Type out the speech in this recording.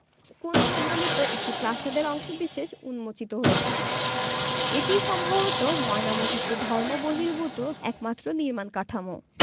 কোণ সম্বলিত একটি প্রাসাদের অংশবিশেষ উন্মোচিত হয়েছে এটিই সম্ভবত ময়নামতীতে ধর্মবহির্ভূত একমাত্র নির্মাণ কাঠামো